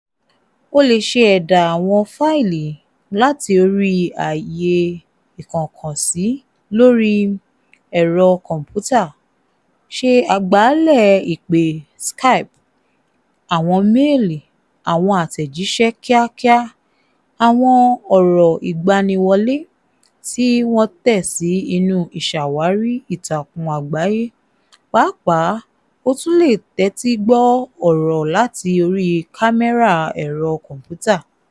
Ó lè ṣe ẹ̀dá àwọn fáìlì láti orí ààyè ìkóǹkansí lórí ẹ̀rọ kọ̀m̀pútà, ṣe àgbàálẹ̀ ìpè Skype, àwọn méèlí, àwọn àtẹ̀jíṣẹ́ kíákíá, àwọn ọ̀rọ̀ìgbaniwọlé tí wọ́n tẹ̀ sí inú ìṣàwárí ìtàkùn àgbáyé, pàápàá ó tún le tẹ́tí gbọ́ ọ̀rọ̀ láti orí kámẹ́rà ẹ̀rọ kọ̀m̀pútà.